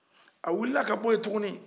a wulila ka bɔ yen tuguni